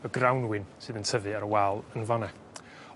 y grawnwyn sydd yn tyfu ar wal yn fan 'na.